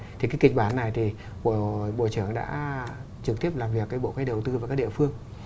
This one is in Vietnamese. thì cái kịch bản này thì của bộ trưởng đã trực tiếp làm việc với bộ đầu tư vào các địa phương